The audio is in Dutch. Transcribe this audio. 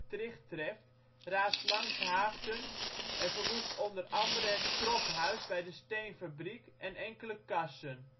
Tricht treft, raast langs Haaften en verwoest onder andere het Crobhuis bij de steenfabriek en enkele kassen